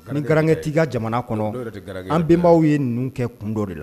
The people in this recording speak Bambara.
Ka garan' ka jamana kɔnɔ anbenbaw ye ninnu kɛ kun dɔ de la